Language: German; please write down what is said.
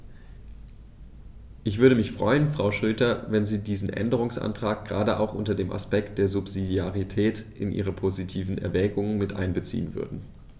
Ich würde mich freuen, Frau Schroedter, wenn Sie diesen Änderungsantrag gerade auch unter dem Aspekt der Subsidiarität in Ihre positiven Erwägungen mit einbeziehen würden.